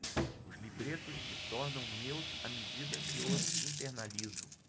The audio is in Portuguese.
os libretos se tornam meus à medida que os internalizo